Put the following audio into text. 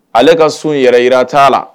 Ale ka sun , yɛrɛ yira t'a la.